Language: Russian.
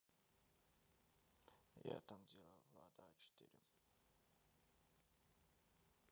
я там делал влада а четыре